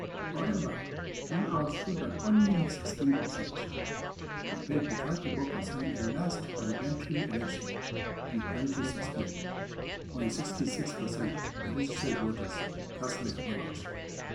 However, turnout stood at only 16 percent, compared to 34 percent in last parliamentary election in 2016 when 66 percent of the registered voters cast their ballot.